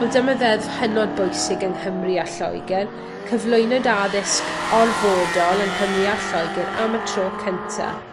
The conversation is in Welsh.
Wel dyma ddeddf hynod bwysig yng Nghymru a Lloeger cyflwynwyd addysg orfodol yng Nghymru a Lloeger am y tro cynta.